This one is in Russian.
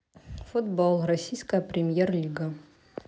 футбол российская премьер лига